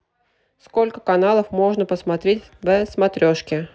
сколько каналов можно посмотреть в смотрешке